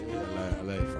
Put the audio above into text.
Ye ala ye